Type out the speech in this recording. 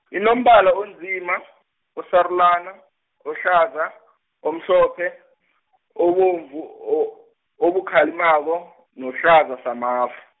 inombala onzima, osarulani, ohlaza , omhlophe , obomvu, o- obukhalimako, nohlaza samafu.